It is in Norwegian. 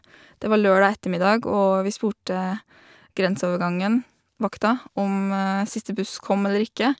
Det var lørdag ettermiddag, og vi spurte grenseovergangen vakta om siste buss kom eller ikke.